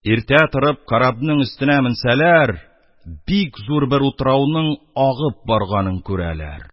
Иртә торып, карабның өстенә бик зур бер утрауның агып барганын күрәләр